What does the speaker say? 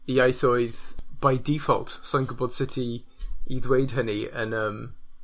ieithoedd by default sai'n gwbod sut i i ddweud hynny yn yym